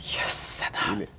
jøsse namn.